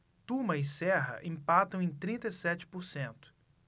tuma e serra empatam em trinta e sete por cento